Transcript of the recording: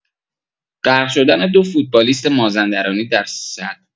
غرق شدن دو فوتبالیست مازندرانی در سد.